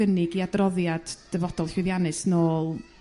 gynnig 'i adroddiad dyfodol llwyddiannus nôl